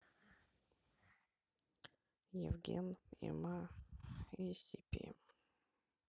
евген и ма эйсипи